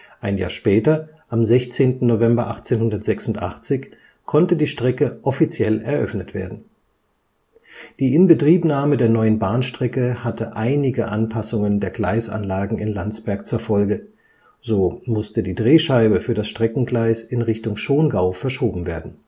Ein Jahr später, am 16. November 1886, konnte die Strecke offiziell eröffnet werden. Die Inbetriebnahme der neuen Bahnstrecke hatte einige Anpassungen der Gleisanlagen in Landsberg zur Folge, so musste die Drehscheibe für das Streckengleis in Richtung Schongau verschoben werden